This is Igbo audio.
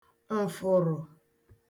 ǹfụ̀rụ̀